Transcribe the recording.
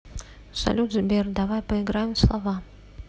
салют сбер давай поиграем в слова